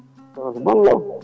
kono ko *